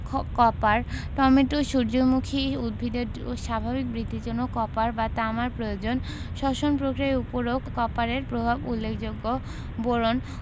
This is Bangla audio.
কপার টমেটো সূর্যমুখী উদ্ভিদের স্বাভাবিক বৃদ্ধির জন্য কপার বা তামার প্রয়োজন শ্বসন পক্রিয়ার উপরও কপারের প্রভাব উল্লেখযোগ্য বোরন